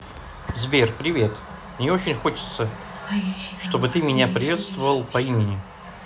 сбер привет мне очень хочется чтобы ты меня приветствовал по имени